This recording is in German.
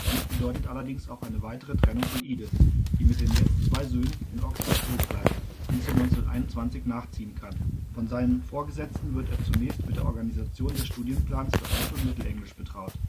Dies bedeutet allerdings auch eine weitere Trennung von Edith, die mit den jetzt zwei Söhnen in Oxford zurückbleibt, bis sie 1921 nachziehen kann. Von seinem Vorgesetzten wird er zunächst mit der Organisation des Studienplans für Alt - und Mittelenglisch betraut